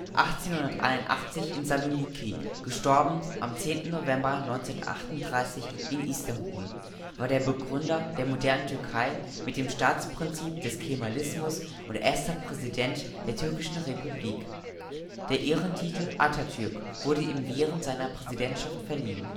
1881 in Saloniki; † 10. November 1938 in Istanbul), war der Begründer der modernen Türkei mit dem Staatsprinzip des Kemalismus und erster Präsident der Türkischen Republik. Der Ehrentitel „ Atatürk “wurde ihm während seiner Präsidentschaft verliehen